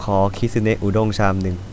ขอคิสึเนะอุด้งชามหนึ่ง